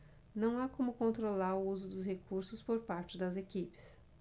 não há como controlar o uso dos recursos por parte das equipes